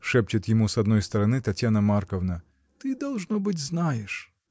— шепчет ему с одной стороны Татьяна Марковна, — ты, должно быть, знаешь.